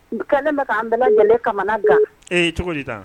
Kɛlen ne bɛ an bɛ lajɛlen kamana kan cogo